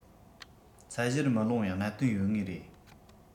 ཚད གཞིར མི ལོངས པའི གནད དོན ཡོད ངེས རེད